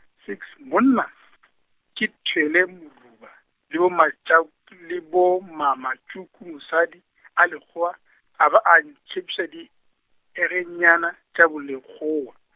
six monna , ke thwele moruba, le boMatša-, ke le boMamatšuku mosadi, a Lekgowa, a be a ntšhep- se di, engenyana, tša boLekgowa.